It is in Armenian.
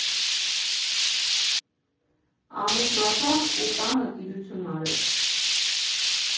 Ամուսնացավ ու տանը տիրություն արեց։